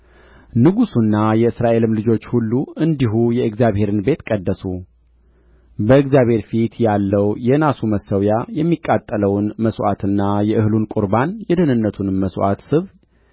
ንጉሡና የእስራኤልም ልጆች ሁሉ እንዲህ የእግዚአብሔርን ቤት ቀደሱ በእግዚአብሔር ፊት ያለው የናሱ መሠዊያ የሚቃጠለውን መሥዋዕትና የእህሉን ቁርባን የደኅንነቱንም መሥዋዕት ስብ